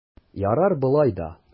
Ярар болай да!